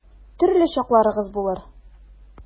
Төрле чакларыгыз булыр.